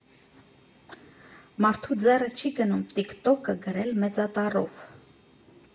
Մարդու ձեռը չի գնում տիկ֊տոկը գրել մեծատառով։